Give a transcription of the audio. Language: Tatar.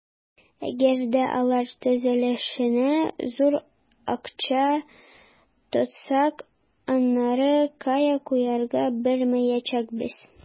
Әгәр дә алар төзелешенә зур акча тотсак, аннары кая куярга белмәячәкбез.